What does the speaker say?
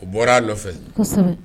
O bɔra a nɔfɛ